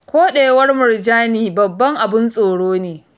Koɗewar murjani babban abin tsoro ne.